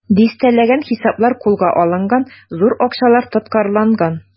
Дистәләгән хисаплар кулга алынган, зур акчалар тоткарланган.